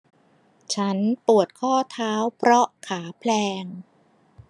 ฉันปวดข้อเท้าเพราะขาแพลง